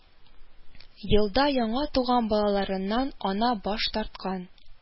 Елда яңа туган балаларыннан ана баш тарткан